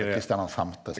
Kristian den femte.